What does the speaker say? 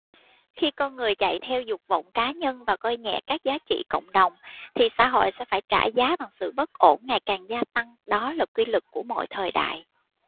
khi con người chạy theo dục vọng cá nhân và coi nhẹ các giá trị cộng đồng thì xã hội sẽ phải trả giá bằng sự bất ổn ngày càng gia tăng đó là quy luật của mọi thời đại